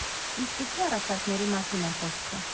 Ինչպիսի՞ առաջարկների մասին է խոսքը։